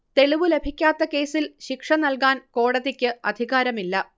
തെളിവു ലഭിക്കാത്ത കേസിൽ ശിക്ഷ നല്കാൻ കോടതിക്ക് അധികാരമില്ല